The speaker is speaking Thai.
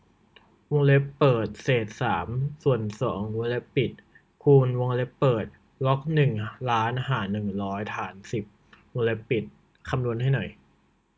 วงเล็บเปิดเศษสามส่วนสองวงเล็บปิดคูณวงเล็บเปิดล็อกหนึ่งล้านหารหนึ่งร้อยฐานสิบวงเล็บปิดคำนวณให้หน่อย